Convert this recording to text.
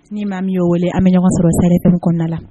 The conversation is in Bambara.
Ni maa bɛ'o wele an bɛ ɲɔgɔn sɔrɔ sɛme kɔnɔna la